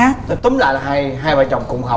rồi túm lại là hai hai vợ chồng cùng học